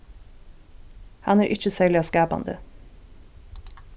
hann er ikki serliga skapandi